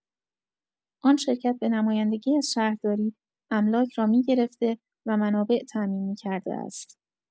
آن شرکت به نمایندگی از شهرداری، املاک را می‌گرفته و منابع تامین می‌کرده است.